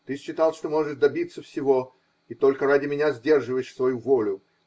Ты считал, что можешь добиться всего, и только ради меня сдерживаешь свою волю.